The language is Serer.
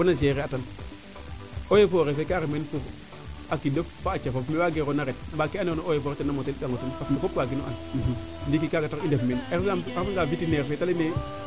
wo na geré atan eeaux et foret fe ka ref meen pour a kidof fa'a cafof mee waagerona ret mba ke ando naye eaux et foret tena motalikango ten parce que fop waagino an nddiki koy kaaga tax i ndef meen a refa nga verinaire fee te ley nee